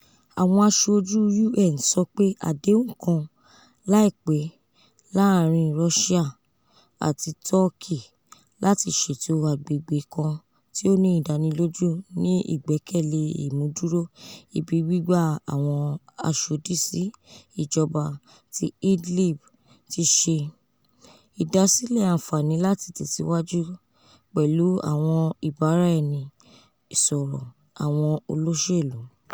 Awọn aṣoju UN sọ pe adehun kan laipe laarin Ruṣia ati Tọki lati ṣeto agbegbe kan ti o ni idaniloju ni igbẹkẹle imuduro ibi gbigba awọn aṣodisi ijọba ti Idlib ti ṣe ìdásílẹ̀ anfani lati tẹsiwaju pẹlu awọn ibara-ẹni-sọrọ awọn oloṣelu.